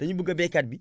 dañu bëgg baykat bi